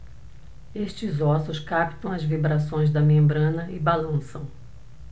estes ossos captam as vibrações da membrana e balançam